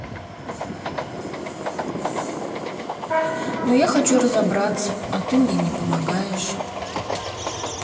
ну я хочу разобраться а ты мне не помогаешь